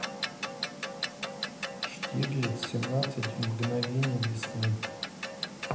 штирлиц семнадцать мгновений весны